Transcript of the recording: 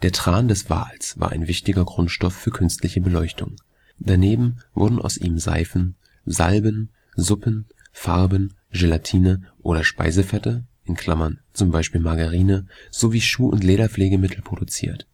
Tran des Wals war ein wichtiger Grundstoff für künstliche Beleuchtung. Daneben wurden aus ihm Seifen, Salben, Suppen, Farben, Gelatine oder Speisefette (z. B. Margarine) sowie Schuh - und Lederpflegemittel produziert